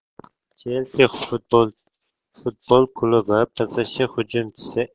chelsi futbol klubi psj hujumchisi